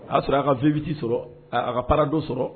A'a sɔrɔ a ka fivti sɔrɔ a ka para dɔ sɔrɔ